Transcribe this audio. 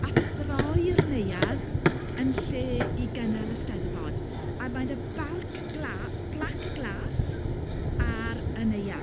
A throi'r neuadd yn lle i gynnal Eisteddfod a mae 'na barc gla- blac glas ar y neuadd.